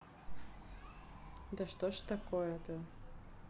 да что ж такое то